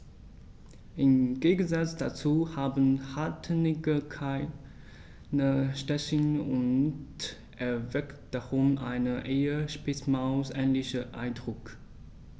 Im Gegensatz dazu haben Rattenigel keine Stacheln und erwecken darum einen eher Spitzmaus-ähnlichen Eindruck.